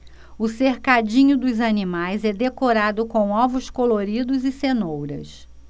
o cercadinho dos animais é decorado com ovos coloridos e cenouras